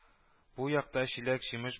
Бу якта җиләк-җимеш